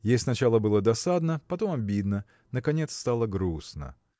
Ей сначала было досадно, потом обидно, наконец стало грустно.